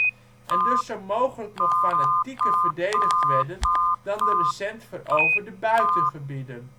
en dus zo mogelijk nog fanatieker verdedigd werden dan de recent veroverde buitengebieden